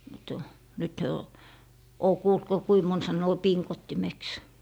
mutta nyt he on olen kuullut kun kuinka moni sanoo pingottimeksi